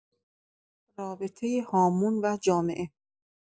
رابطۀ هامون و جامعه